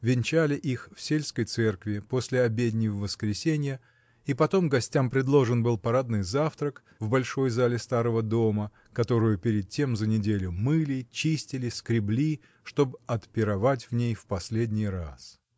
Венчали их в сельской церкви, после обедни в воскресенье, и потом гостям предложен был парадный завтрак в большой зале старого дома, которую перед тем за неделю мыли, чистили, скребли, чтоб отпировать в ней в последний раз.